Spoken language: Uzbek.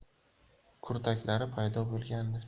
kurtaklari paydo bo'lgandi